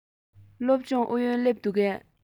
སློབ སྦྱོང ཨུ ཡོན སླེབས འདུག གས